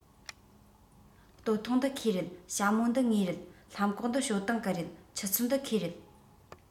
སྟོད ཐུང འདི ཁོའི རེད ཞྭ མོ འདི ངའི རེད ལྷམ གོག འདི ཞའོ ཏིང གི རེད ཆུ ཚོད འདི ཁོའི རེད